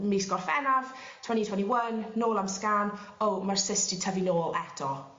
mis Gorffennaf tweny tweny one nôl am sgan o ma'r cyst 'di tyfu nôl eto.